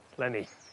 leni